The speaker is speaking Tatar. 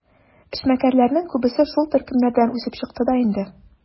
Эшмәкәрләрнең күбесе шул төркемнәрдән үсеп чыкты да инде.